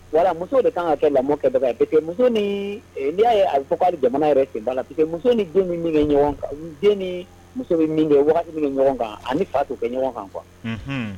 Voila muso de kan ka kɛ lamɔ kɛbaga ye parce que muso ni n'i y'a ye a bɛ fɔ ko hali jamana yɛrɛ sen b'a la parce que muso ni denw bɛ min kɛ ɲɔgɔn kan den ni muso bɛ wagati min kɛ ɲɔgɔn kan a ni fa t'o kɛ ɲɔgɔn kan quoi